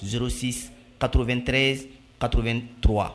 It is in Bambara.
Szosi katobɛnte katobɛnto wa